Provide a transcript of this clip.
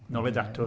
Nôl i datws.